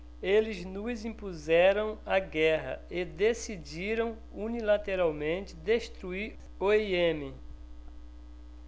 eles nos impuseram a guerra e decidiram unilateralmente destruir o iêmen